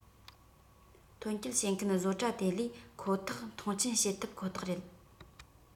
ཐོན སྐྱེད བྱེད མཁན བཟོ གྲྭ དེ ལས ཁོ ཐག མཐོང ཆེན བྱེད ཐུབ ཁོ ཐག རེད